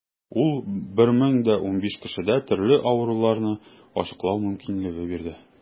Ул 1015 кешедә төрле авыруларны ачыклау мөмкинлеге бирде.